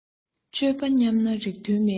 སྤྱོད པ ཉམས ན རིགས དོན མེད